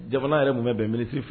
Jamana yɛrɛ tun bɛ bɛn miniele fila